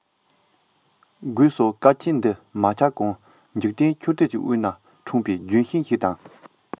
སྒོས སུ སྐལ ཆེན འདི མ ཆགས གོང འཇིག རྟེན ཆུ གཏེར གྱི དབུས ན འཁྲུངས པའི ལྗོན ཤིང དེ དང